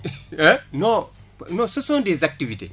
non non ce sont des activités